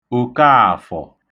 Òkaàfọ̀